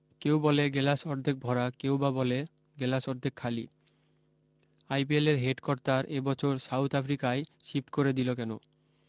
কেউ বলে গেলাস অর্ধেক ভরা কেউ বা বলে গেলাস অর্ধেক খালি আইপিএলের হেড কর্তার এবছর সাউথ আফ্রিকায় সিফ্ট করে দিলে কেন